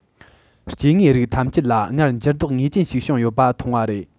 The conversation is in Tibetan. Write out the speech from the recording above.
སྐྱེ དངོས རིགས ཐམས ཅད ལ སྔར འགྱུར ལྡོག ངེས ཅན ཞིག བྱུང ཡོད པ མཐོང བ རེད